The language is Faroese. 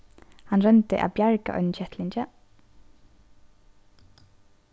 hann royndi at bjarga einum kettlingi